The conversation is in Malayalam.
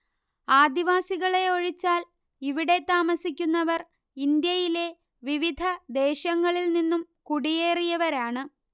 ആദിവാസികളെ ഒഴിച്ചാൽ ഇവിടെ താമസിക്കുന്നവർ ഇന്ത്യയിലെ വിവിധ ദേശങ്ങളിൽ നിന്നും കുടിയേറിയവരാണ്